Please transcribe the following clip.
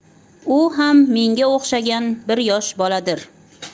u ham menga o'xshagan bir yosh boladir